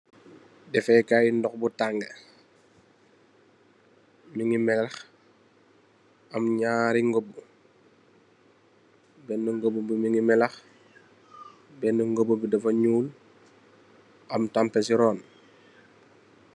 Defekay ndokh bu tangu mungi melex am nyari ngabu bena ngabubi mungi melax bena ngabubi dafa nyul am tampeh si ron.